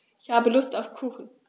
Ich habe Lust auf Kuchen.